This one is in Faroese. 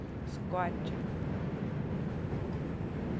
skákið